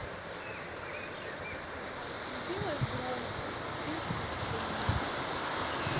сделай громкость тридцать три